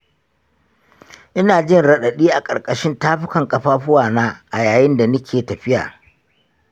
ina jin raɗaɗi a ƙarƙashin tafukan ƙafafuwana a yayin da nike tafiya.